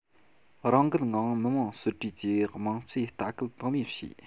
རང འགུལ ངང མི དམངས སྲིད གྲོས ཀྱི དམངས གཙོས ལྟ སྐུལ དང ལེན བྱས